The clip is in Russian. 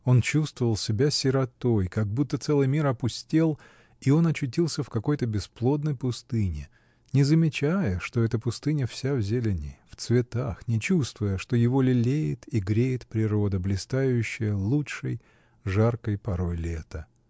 Он чувствовал себя сиротой, как будто целый мир опустел, и он очутился в какой-то бесплодной пустыне, не замечая, что эта пустыня вся в зелени, в цветах, не чувствуя, что его лелеет и греет природа, блистающая лучшей, жаркой порой лета.